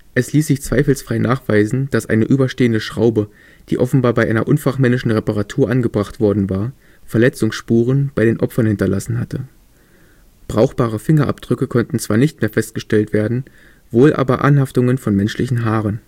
Es ließ sich zweifelsfrei nachweisen, dass eine überstehende Schraube, die offenbar bei einer unfachmännischen Reparatur angebracht worden war, Verletzungsspuren bei den Opfern hinterlassen hatte. Brauchbare Fingerabdrücke konnten zwar nicht mehr festgestellt werden, wohl aber Anhaftungen von menschlichen Haaren